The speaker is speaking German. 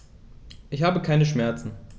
Ich habe keine Schmerzen.